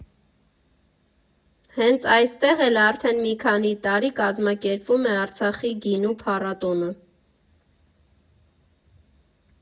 Հենց այստեղ էլ արդեն մի քանի տարի կազմակերպվում է Արցախի գինու փառատոնը։